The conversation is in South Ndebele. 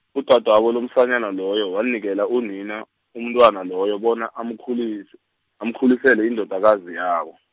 udadwabo lomsanyana loyo wanikela unina, umntwana loyo bona amkhulis- amkhulisele indodakazi yabo.